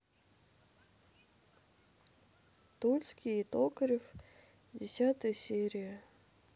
тульский и токарев десятая серия